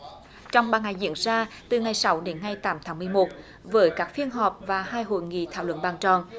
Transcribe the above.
trong ba ngày diễn ra từ ngày sáu đến ngày tám tháng mười một với các phiên họp và hai hội nghị thảo luận bàn tròn